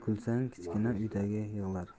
kichkina uydagi yig'lar